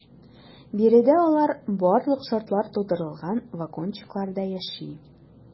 Биредә алар барлык шартлар тудырылган вагончыкларда яши.